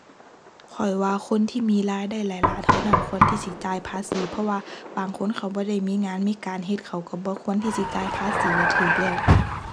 ข้อยว่าคนที่มีรายได้หลายหลายเท่านั้นควรที่สิจ่ายภาษี เพราะว่าบางคนเขาบ่ได้มีงานมีการเฮ็ด เขาก็บ่ควรที่สิจ่ายภาษีอะ ก็แล้ว